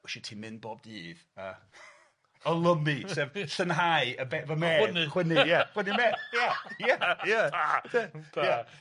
'w isie ti mynd bob dydd a olymu sef llynhau y be- fy medd. Chwynnu. Chwynnu ia. Chwynnu 'medd ia ia ia da. Yn da.